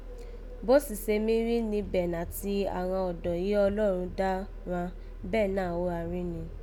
Bó o sì ṣe mí rí nibe nàti àghan ọdọ́n yìí Ọlọ́run dá ghan, bẹ́ẹ̀ náà ọ̀ràn rí ni